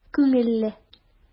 Күңелле!